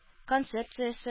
Концепциясе